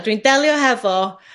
Dw i'n delio hefo